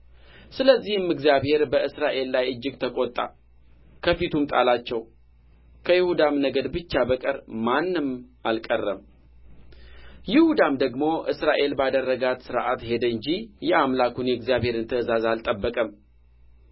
ስለዚህም እግዚአብሔር በእስራኤል ላይ እጅግ ተቈጣ ከፊቱም ጣላቸው ከይሁዳም ነገድ ብቻ በቀር ማንም አልቀረም ይሁዳም ደግሞ እስራኤል ባደረጋት ሥርዓት ሄደ እንጂ የአምላኩን የእግዚአብሔርን ትእዛዝ አልጠበቀም